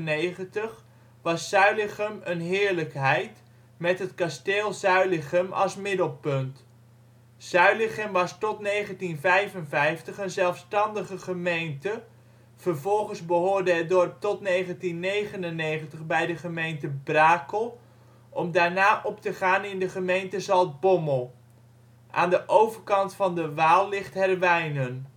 1795) was Zuilichem een heerlijkheid met het kasteel Zuilichem als middelpunt. Zuilichem was tot 1955 een zelfstandige gemeente, vervolgens behoorde het dorp tot 1999 bij de gemeente Brakel, om daarna op te gaan in de gemeente Zaltbommel. Aan de overkant van de Waal ligt Herwijnen